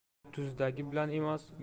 tuzdagi bilan emas